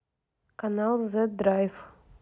канал зет драйв